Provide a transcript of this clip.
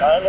allo